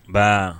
Nba